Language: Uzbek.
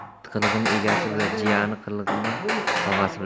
it qilig'ini egasi bilar jiyan qilig'ini tog'asi